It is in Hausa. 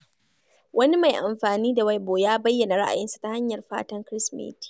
Wani mai amfani da Weibo ya bayyana ra'ayinsa ta hanyar fatan Kirsimeti: